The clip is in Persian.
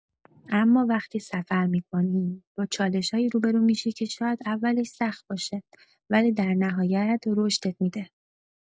اما وقتی سفر می‌کنی، با چالش‌هایی روبه‌رو می‌شی که شاید اولش سخت باشه، ولی در نهایت رشدت می‌ده.